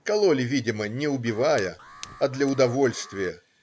Кололи, видимо, не убивая, а для удовольствия.